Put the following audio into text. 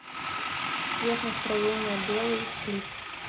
цвет настроения белый клип